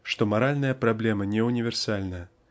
что моральная проблема не универсальна